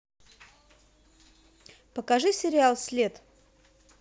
покажи сериал след